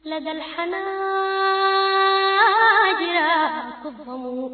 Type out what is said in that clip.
Tileyan